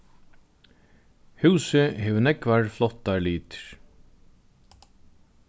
húsið hevur nógvar flottar litir